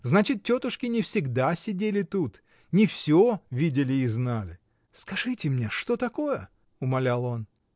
значит, тетушки не всегда сидели тут, не всё видели и знали! Скажите мне, что такое! — умолял он.